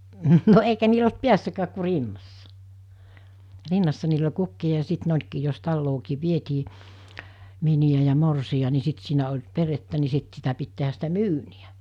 no eikä niillä ollut päässäkään kun rinnassa rinnassa niillä oli kukkia ja sitten ne olikin jos taloonkin vietiin miniä ja morsian niin sitten siinä oli perhettä niin sitten sitä piti tehdä sitä myyniä